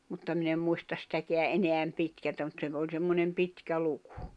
mutta minä en muista sitäkään enää pitkältä mutta se - oli semmoinen pitkä luku